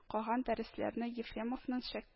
Калган дәресләрне Ефремовның шә